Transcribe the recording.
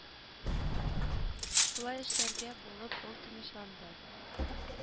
Шулай эшләргә булып ул тынычланды